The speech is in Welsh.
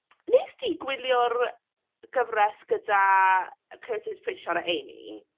Wnest ti gwylio'r gyfres gyda Curtis Pritchard a Amy?